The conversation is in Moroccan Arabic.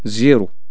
زيرو